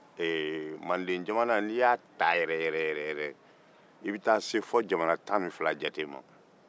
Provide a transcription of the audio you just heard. n'i ye manjamana ta yɛrɛ yɛrɛ i be taa se fo jamana tan ni fila ma